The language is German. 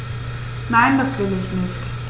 Nein, das will ich nicht.